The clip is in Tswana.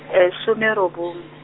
e some robongwe.